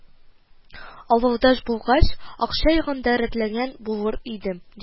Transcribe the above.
Авылдаш булгач, акча ягын да рәтләгән булыр идем, диде